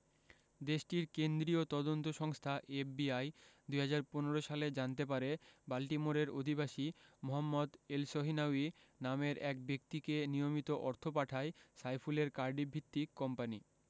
দেশটির কেন্দ্রীয় তদন্ত সংস্থা এফবিআই ২০১৫ সালে জানতে পারে বাল্টিমোরের অধিবাসী মোহাম্মদ এলসহিনাউয়ি নামের এক ব্যক্তিকে নিয়মিত অর্থ পাঠায় সাইফুলের কার্ডিফভিত্তিক কোম্পানি